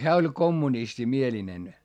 hän oli kommunistimielinen